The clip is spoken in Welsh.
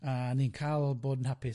A ni'n cael bod yn hapus.